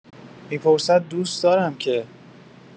می‌پرسد دوست دارم که؟